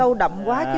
sâu đậm quá đấy chứ